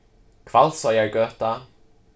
hvalsoyargøta